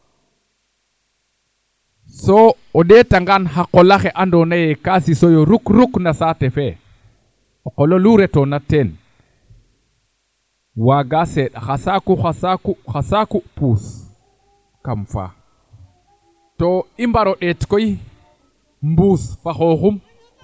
so o ndeta ngaa xa qola xe xe ando naye kaa siso yo ruq ruq no saate fe o qolo lu retoona teen waaga seend xa saaku xa saaku puus kam faa to i mbaro ndeet koy mbuus fa xoxum